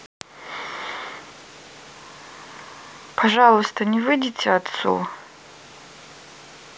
пожалуйста не выйдите отцу